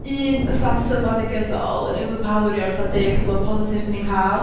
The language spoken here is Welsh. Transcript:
un fatha sylwad negyddol yn oferpowerio'r fatha deg sylwad positif 'swn i'n ca'l,